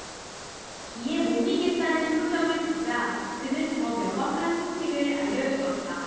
이에 못 믿겠다는 표정을 짓자 그는 더 명확한 소식을 알려주었다